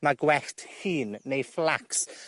ma'i gwellt llin neu flax,